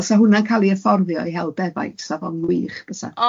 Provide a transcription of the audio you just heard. wel, 'sa hwnna'n cal 'i hyfforddio i hel defaid, sa fo'n wych bysa.